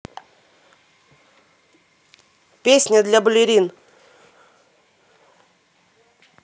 песня для балерин